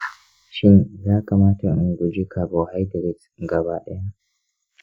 shin ya kamata in guji carbohydrates gaba ɗaya?